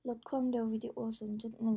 ลดความเร็ววีดีโอศูนย์จุดหนึ่ง